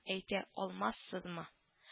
Әйтә алмассызмы